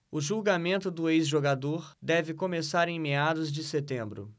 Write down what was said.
o julgamento do ex-jogador deve começar em meados de setembro